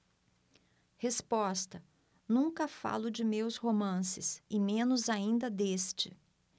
resposta nunca falo de meus romances e menos ainda deste